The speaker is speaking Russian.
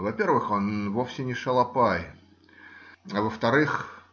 Во-первых, он вовсе не шалопай, а во-вторых.